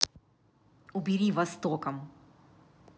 убери востоком